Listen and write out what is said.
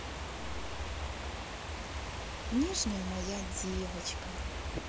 нежная моя девочка